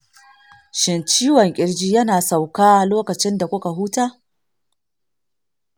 shin, ciwon kirji yana sauka lokacin da kuka huta?